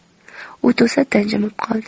u to'satdan jimib qoldi